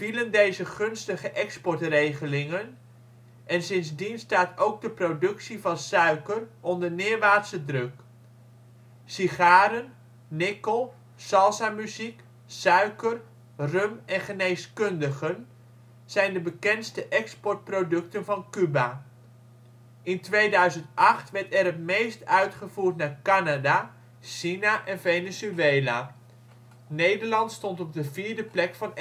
deze gunstige exportregelingen en sindsdien staat ook de productie van suiker onder neerwaartse druk. Sigaren, nikkel, salsamuziek, suiker, rum en geneeskundigen zijn de bekendste exportproducten van Cuba. In 2008 werd er het meest uitgevoerd naar Canada, China en Venezuela. Nederland stond op de vierde plek van